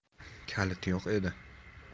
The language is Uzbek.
kalit yo'q edi